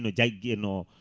no jaggui no